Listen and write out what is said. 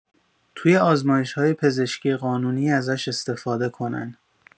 توی آزمایش‌های پزشکی قانونی ازش استفاده کنن.